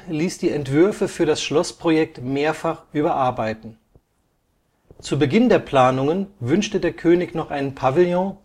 ließ die Entwürfe für das Schlossprojekt mehrfach überarbeiten. Zu Beginn der Planungen wünschte der König noch einen Pavillon